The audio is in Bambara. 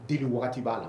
Deeli waati b'a la!